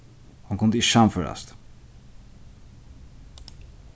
hon kundi ikki sannførast